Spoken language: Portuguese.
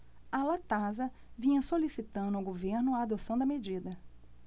a latasa vinha solicitando ao governo a adoção da medida